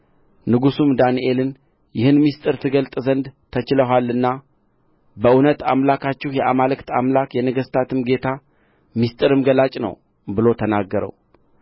ንጉሡም ዳንኤልን ይህን ምሥጢር ትገልጥ ዘንድ ተችሎሃልና በእውነት አምላካችሁ የአማልክት አምላክ የነገሥታትም ጌታ ምሥጢርም ገላጭ ነው ብሎ ተናገረው